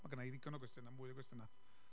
Ma' gynna i ddigon o gwestiynau, mwy o gwestiynau.